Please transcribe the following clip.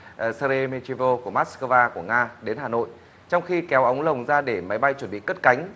sê rê mi tri pô của mát sờ cơ va của nga đến hà nội trong khi kéo ống lồng ra để máy bay chuẩn bị cất cánh